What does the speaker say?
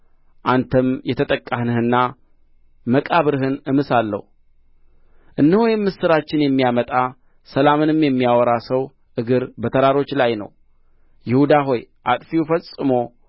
አንተም የተጠቃህ ነህና መቃብርህን እምሳለሁ እነሆ የምስራችን የሚያመጣ ሰላምንም የሚያወራ ሰው እግር በተራሮች ላይ ነው ይሁዳ ሆይ አጥፊው ፈጽሞ